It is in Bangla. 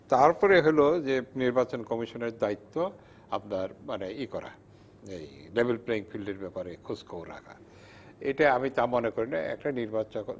তারপরে হলো নির্বাচন কমিশন দায়িত্ব আপনার মানে ই করা প্লেইং ফিল্ড এর ব্যাপারে খোঁজখবর করা এটা আমি তা মনে করি না একটা নির্বাচন